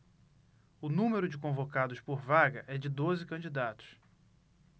o número de convocados por vaga é de doze candidatos